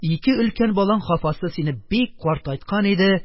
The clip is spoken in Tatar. Ике өлкән балаң хафасы сине бик картайткан иде